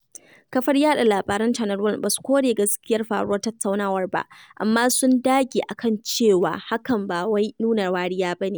Kafar yaɗa labaran Channel One ba su kore gaskiyar faruwar tattaunawar ba, amma sun dage a kan cewa hakan ba wai nuna wariya ba ne.